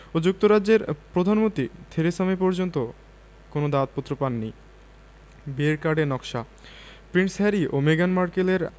ও যুক্তরাজ্যের প্রধানমন্ত্রী Theresa May এখন পর্যন্ত কোনো দাওয়াতপত্র পাননি বিয়ের কার্ডের নকশা প্রিন্স হ্যারি ও মেগান মার্কেলের